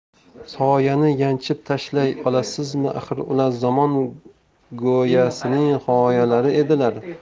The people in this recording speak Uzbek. soyani yanchib tashlay olasizmi axir ular zamon g'oyasining soyalari edilar